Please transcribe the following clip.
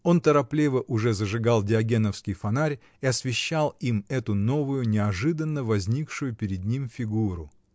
Он торопливо уже зажигал диогеновский фонарь и освещал им эту новую, неожиданно возникшую перед ним фигуру.